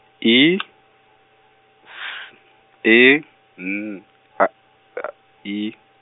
I , S, E, N, I.